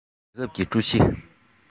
རྒྱལ ཁབ ཀྱི ཀྲུའུ ཞི